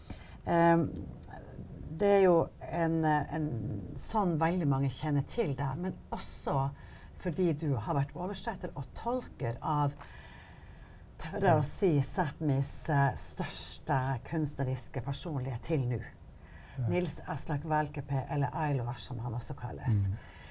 det er jo en en sånn veldig mange kjenner til deg, men også fordi du har vært oversetter og tolker av tør jeg å si Sapmis største kunstneriske personlige til nu Nils Aslak Valkeapaa eller Aillohas som han også kalles.